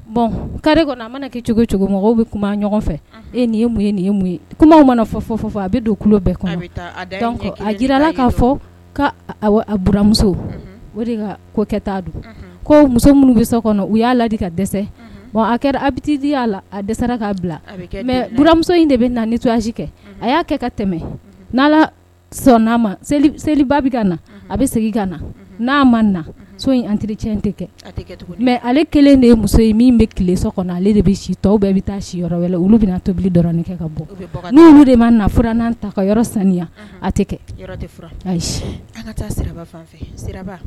Bɔn kari kɛ cogo bɛ kuma ɲɔgɔn fɛ e nin mun nin kuma mana fɔ a bɛ don bɛɛ a jirala ka fɔmuso de ko ko muso minnu bɛ kɔnɔ u y'a ladi ka dɛsɛ wa a kɛra a di la a dɛsɛsara k'a bila mɛ bmuso in de bɛ na ni tosi kɛ a y'a kɛ ka tɛmɛ n' sɔnna' ma seliba bɛ ka na a bɛ segin ka na n' ma so in an teric tɛ kɛ mɛ ale kelen de ye muso ye min bɛ tile so kɔnɔ ale de bɛ bɛɛ bɛ taa si olu bɛna tobili dɔrɔn kɛ ka bɔ ni de ma na ta ka saniya tɛ kɛ